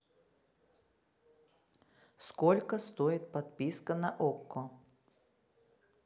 сколько стоит подписка на окко